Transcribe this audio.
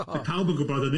Da pawb yn gwybod hynny.